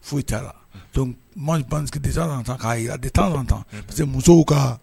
Foyi ca la de tan k'a jira de taa tan parce que musow ka